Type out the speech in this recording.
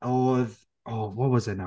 Oedd, oh, what was it now?